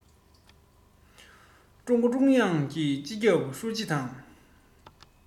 རྒྱལ ཁབ ཀྱི ཀྲུའུ ཞི